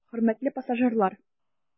Хөрмәтле пассажирлар!